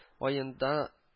Аенда